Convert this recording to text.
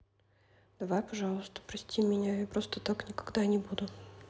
давай пожалуйста прости меня я просто так никогда не буду